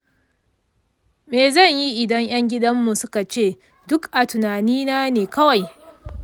me zan yi idan 'yan gidan mu suka ce duk a tunanina ne kawai?